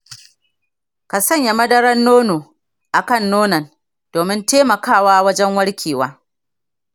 ka sanya madarar nono a kan nonon domin taimakawa wajen warkewa.